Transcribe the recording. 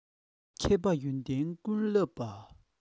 མཁས པ ཡོན ཏན ཀུན བསླབས པ